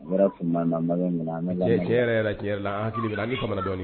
Hakili an